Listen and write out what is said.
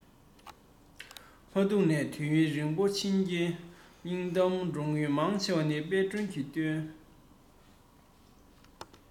མ ཐུགས ནས དུས ཡུན རིང པོ ཕྱིན རྐྱེན སྙིང གཏམ འགྲོ དངུལ མང ཆེ བ ནི དཔལ སྒྲོན གྱི བཏོན